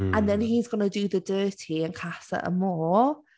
and then he’s going to do the dirty in Casa Amor.